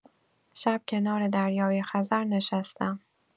شب کنار دریای‌خزر نشستم.